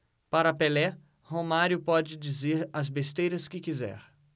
para pelé romário pode dizer as besteiras que quiser